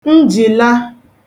njìla